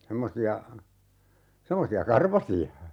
semmoisia semmoisia karvaisia